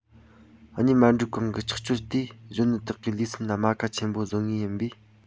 གཉེན མ སྒྲིག གོང གི ཆགས སྤྱོད དེས གཞོན ནུ དག གི ལུས སེམས ལ རྨ ཁ ཆེན པོ བཟོ ངེས ཡིན པས